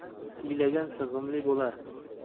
siylagan sig'imli bo'lar